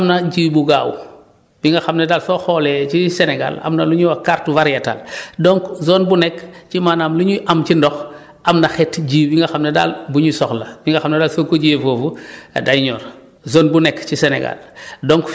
parce que am na kii bu gaaw bi nga xam ne daal soo xoolee fii Sénégal am na lu ñuy wax carte variétale donc zone bu nekk ci maanaam lu ñuy am ci ndox am na xeetu jiw bi nga xam ne daal bu ñuy soxla li nga xam ne daal soo ko jiyee foofu day ñor zone bu nekk ci Sénégal